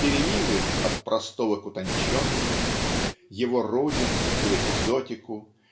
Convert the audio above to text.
переливы от простого к утонченному его родину и экзотику